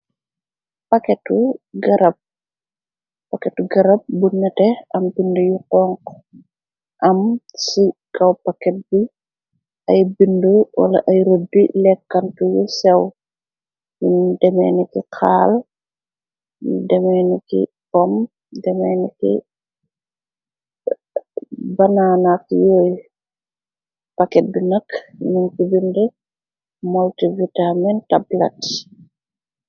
Paketu gërab bu nete, am bind yu xonk, am ci kaw paket bi ay bind wala ay rot bi lekkantu yu sew, yun demenici xaal, demeniki pom, demeniki bananak yooy, paket bi nëkk nin ti bind, moltivitamin tablet.